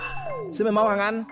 xin mời mon hoàng anh